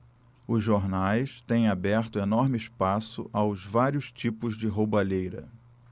os jornais têm aberto enorme espaço aos vários tipos de roubalheira